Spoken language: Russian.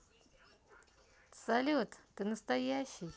салют ты настоящий